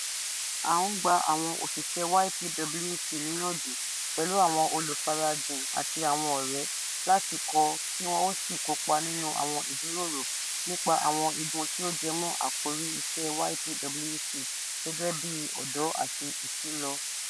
À ń gba àwọn òṣìṣẹ́ YPWC níyànjú, pẹ̀lú àwọn olùfarajìn àti àwọn ọ̀rẹ́ láti kọ kí wọn ó sì kópa nínú àwọn ìjíròrò nípa àwọn igun tí ó jẹmọ́ àkòrí iṣẹ́ YPWC gẹ́gẹ́ bíi ọ̀dọ́ àti ìsílọ.